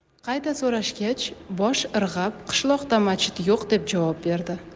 qayta so'rashgach bosh irg'ab qishloqda machit yo'q deb javob berdi